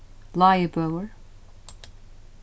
lágibøur